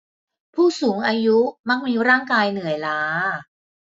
ผู้สูงอายุมักมีร่างกายเหนื่อยล้า